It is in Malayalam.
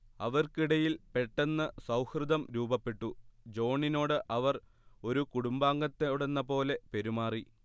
അവർക്കിടയിൽ പെട്ടെന്ന് സൗഹൃദം രൂപപ്പെട്ടു ജോണിനോട് അവർ ഒരു കുടുംബാംഗത്തോടെന്നപോലെ പെരുമാറി